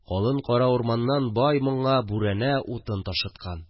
Калын кара урманнан бай моңа бүрәнә, утын ташыткан